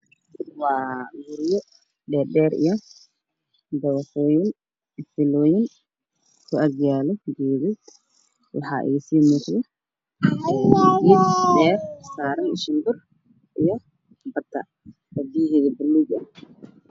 Waa guriyo dheedher iyo Dabaqooyin filooyin isku agyaalo geedad waxaa isii muqdo geed dheer saran shimbir iyo bada o biyaheeda bulug ah